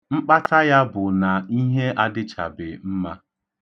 Mkpata ya bụ na ihe adịchabe mma.